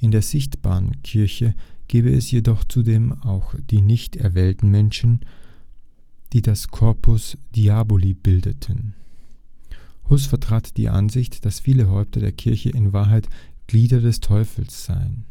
der sichtbaren Kirche gebe es jedoch zudem auch die nicht erwählten Menschen, die das corpus diaboli bildeten. Hus vertrat die Ansicht, dass viele Häupter der Kirche in Wahrheit Glieder des Teufels seien